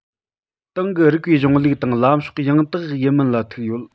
ཏང གི རིགས པའི གཞུང ལུགས དང ལམ ཕྱོགས ཡང དག པ ཡིན མིན ལ ཐུག ཡོད